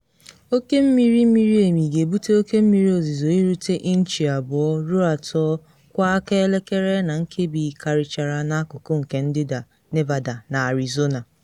Oke mmiri miri emi ga-ebute oke mmiri ozizo irute inchi 2 ruo 3 kwa aka elekere na nkebi, karịchara n’akụkụ nke ndịda Nevada na Arizona.